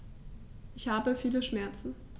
Ich habe viele Schmerzen.